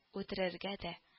Үтерергә дә